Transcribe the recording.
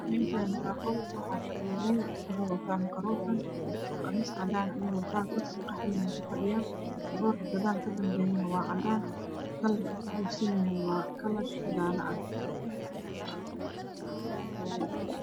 Meeshaan waa qol waxaa fadhiyo wiil waxuu wataa makaroofan qamiis cadaan ah ayuu wataa kursi qaxwi ah ayuu kufadhiyaa. Boorka kadambeeyana waa cadaan kalarka uu kulabisan yahayna waa jaalo.